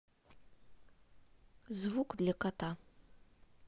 звук для кота